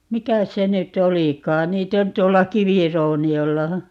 mikäs se nyt olikaan niitä on tuolla kivirouniolla